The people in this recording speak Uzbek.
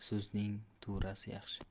so'zning tuvrasi yaxshi